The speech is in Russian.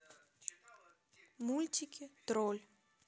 мультики тролль